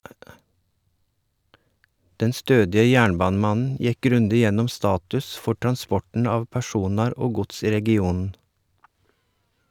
Den stødige jernbanemannen gjekk grundig gjennom status for transporten av personar og gods i regionen.